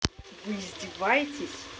вы издеваетесь